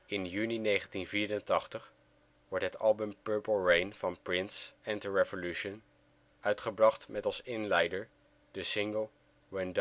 In juni 1984 wordt het album Purple Rain van Prince and The Revolution uitgebracht met als inleider de single When